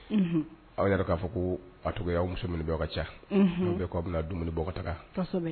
Aw yɛrɛ k'a fɔ ko a tɔgɔ muso minɛaw ka ca bɛ dumuni bɔta